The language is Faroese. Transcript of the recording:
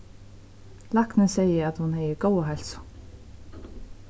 læknin segði at hon hevði góða heilsu